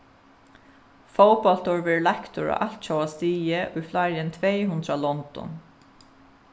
fótbóltur verður leiktur á altjóða stigi í fleiri enn tvey hundrað londum